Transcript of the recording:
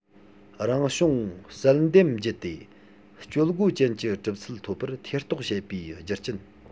རང བྱུང བསལ འདེམས བརྒྱུད དེ སྤྱོད སྒོ ཅན གྱི གྲུབ ཚུལ ཐོབ པར ཐེ གཏོགས བྱེད པའི རྒྱུ རྐྱེན